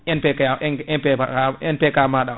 MPK MP* MPK maɗa o